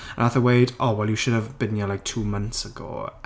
A wnaeth e weud "oh well you should have been here like two months ago".